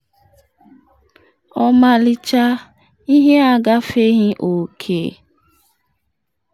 Ọmalịcha ihe agafeghị oke.